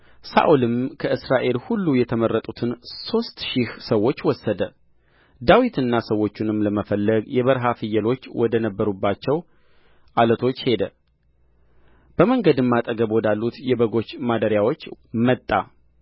ሳኦልም ከእስራኤል ሁሉ የተመረጡትን ሦስት ሺህ ሰዎች ወሰደ ዳዊትንና ሰዎቹንም ለመፈለግ የበረሀ ፍየሎች ወደ ነበሩባቸው ዓለቶች ሄደ በመንገድም አጠገብ ወዳሉት የበጎች ማደሪያዎች መጣ